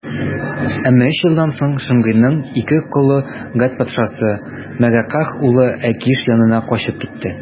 Әмма өч елдан соң Шимгыйның ике колы Гәт патшасы, Мәгакәһ углы Әкиш янына качып китте.